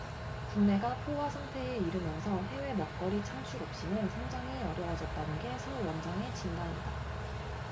국내가 포화상태에 이르면서 해외 먹거리 창출 없이는 성장이 어려워졌다는 게 서 원장의 진단이다